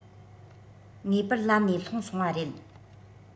ངེས པར ལམ ནས ལྷུང སོང བ རེད